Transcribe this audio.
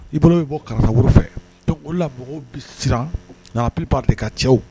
I bolo be bɔ karatawo fɛ donc o de la mɔgɔw bi siran dans la plupart des cas _ cɛw